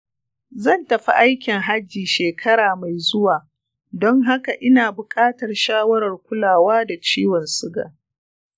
zan tafi aiki hajji shekara mai zuwa dun haka ina buƙatar shawarar kulawa da ciwon suga.